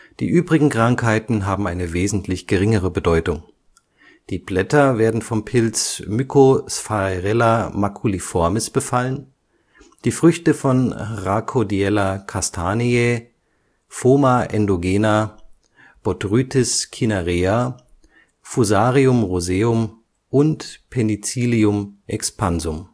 Die übrigen Krankheiten haben eine wesentlich geringere Bedeutung. Die Blätter werden vom Pilz Mycosphaerella maculiformis befallen, die Früchte von Rhacodiella castaneae, Phoma endogena, Botrytis cinerea, Fusarium roseum und Penicillium expansum